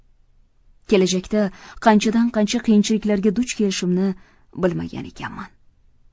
kelajakda qanchadan qancha qiyinchiliklarga duch kelishimni bilmagan ekanman